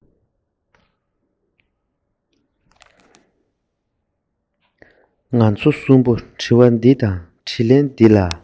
ང ཚོ གསུམ པོ དྲི བ འདི དང དྲིས ལན འདི ལ